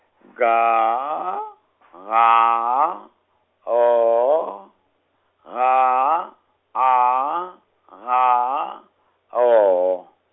K G O G A G O.